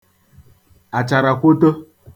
àchàràkwoto